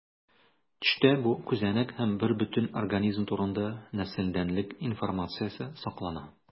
Төштә бу күзәнәк һәм бербөтен организм турында нәселдәнлек информациясе саклана.